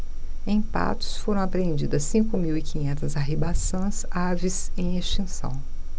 em patos foram apreendidas cinco mil e quinhentas arribaçãs aves em extinção